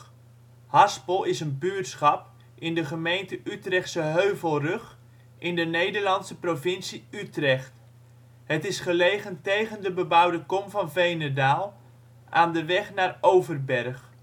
Haspel is een buurtschap in de gemeente Utrechtse Heuvelrug, in de Nederlandse provincie Utrecht. Het is gelegen tegen de bebouwde kom van Veenendaal; aan de weg naar Overberg